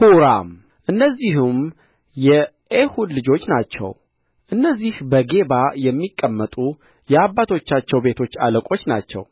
ሑራም እነዚህም የኤሁድ ልጆች ናቸው እነዚህ በጌባ የሚቀመጡ የአባቶቻቸው ቤቶች አለቆች ናቸው